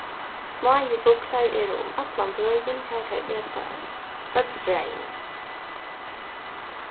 smáir fuglar eru um allan bøin har teir eta øll fræini